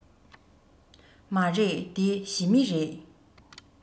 མ རེད འདི ཞི མི རེད